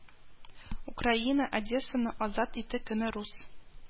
Украина - Одессаны азат итү көне рус